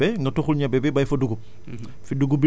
maanaam fi nga béyoon ñebe nga tuxu ñebe bi béy fa dugub